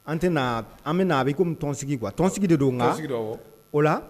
An tɛna an bɛna na bɛ tɔn sigi tɔnsigi de don o la